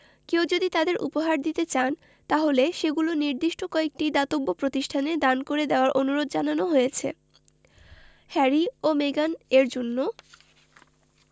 কেউ যদি তাঁদের উপহার দিতেই চান তাহলে সেগুলো নির্দিষ্ট কয়েকটি দাতব্য প্রতিষ্ঠানে দান করে দেওয়ার অনুরোধ জানানো হয়েছে হ্যারি ও মেগান এর জন্য